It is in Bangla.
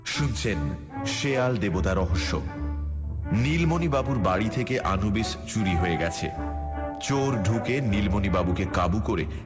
শুনছেন শেয়ান দেবতা রহস্য নিলমণি বাবুর বাড়ি থেকে আনুবিস চুরিশিয়ে গেছে চোর ঢুকে নীলমণি বাবুকে কাবু করে